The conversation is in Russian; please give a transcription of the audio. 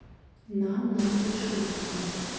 нам надо шутки